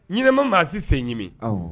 Ɲinɛ man maa si sen ɲimi!